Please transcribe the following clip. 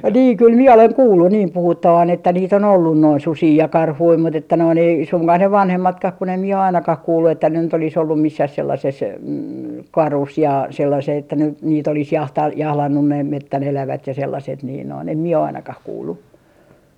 niin kyllä minä olen kuullut niin puhuttavan että niitä on ollut noin susia ja karhuja mutta että noin ei suinkaan ne vanhemmatkaan kun en minä ole ainakaan ole kuullut että ne nyt olisi ollut missään sellaisessa karussa ja sellaiseen että nyt niitä olisi - jahdannut näin metsän elävät ja sellaiset niin noin en minä ole ainakaan kuullut